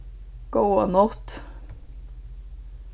góða nátt